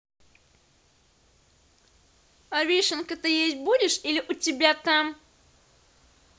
а вишенка ты есть будешь или у тебя там